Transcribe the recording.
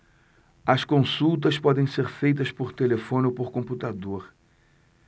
as consultas podem ser feitas por telefone ou por computador